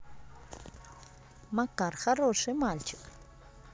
makar хороший мальчик